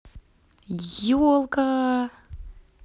елка